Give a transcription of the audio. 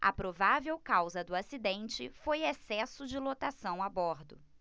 a provável causa do acidente foi excesso de lotação a bordo